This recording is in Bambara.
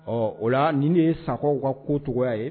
Ɔ o la nin ne ye sakɔw ka kocogogo ye